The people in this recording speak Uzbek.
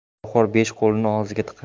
poraxo'r besh qo'lini og'ziga tiqar